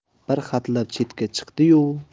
bir hatlab chetga chiqdi yu